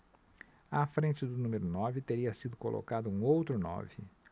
à frente do número nove teria sido colocado um outro nove